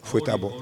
Foyi' bɔ